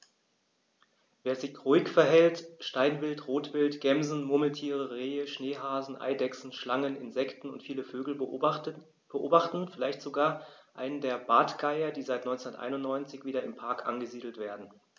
Wer sich ruhig verhält, kann Steinwild, Rotwild, Gämsen, Murmeltiere, Rehe, Schneehasen, Eidechsen, Schlangen, Insekten und viele Vögel beobachten, vielleicht sogar einen der Bartgeier, die seit 1991 wieder im Park angesiedelt werden.